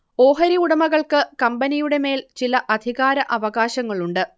ഓഹരി ഉടമകൾക്ക് കമ്പനിയുടെ മേൽ ചില അധികാര അവകാശങ്ങളുണ്ട്